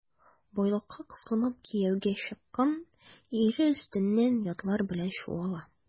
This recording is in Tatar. Байлыкка кызыгып кияүгә чыккан, ире өстеннән ятлар белән чуала.